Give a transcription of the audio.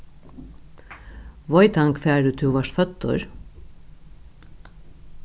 veit hann hvar ið tú vart føddur